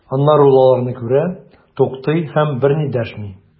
Аннары ул аларны күрә, туктый һәм берни дәшми.